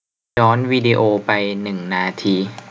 ย้อนวีดีโอไปหนึ่งนาที